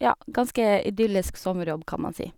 Ja, ganske idyllisk sommerjobb, kan man si.